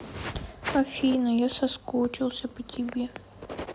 афина я соскучился по тебе